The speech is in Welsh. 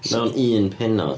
Mewn un pennod?